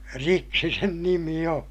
riksi sen nimi on